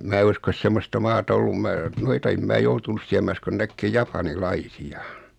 minä usko semmoista maata ollut minä noita en minä joutunut siellä minä uskon näkemään japanilaisia